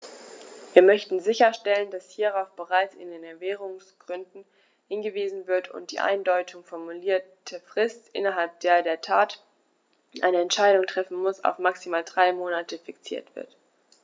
Wir möchten sicherstellen, dass hierauf bereits in den Erwägungsgründen hingewiesen wird und die uneindeutig formulierte Frist, innerhalb der der Rat eine Entscheidung treffen muss, auf maximal drei Monate fixiert wird.